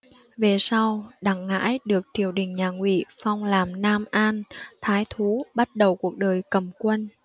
về sau đặng ngải được triều đình nhà ngụy phong làm nam an thái thú bắt đầu cuộc đời cầm quân